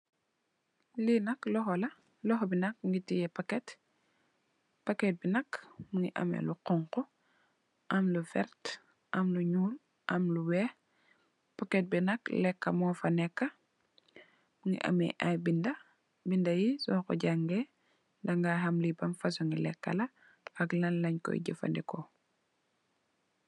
Lee nak lohou la lohou be nak muge teye packet packet be nak muge ameh lu xonxo am lu verte am lu nuul am lu weex packet be nak leka mufa neka muge ameh aye beda beda ye soku jange daga ham lee ban fosunge leka la ak lanlenkoye jufaneku.